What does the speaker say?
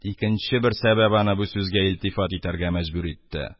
Икенче бер сәбәп аны бу сүзгә илтифат итәргә мәҗбүр итте.